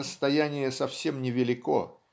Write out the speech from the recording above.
расстояние совсем невелико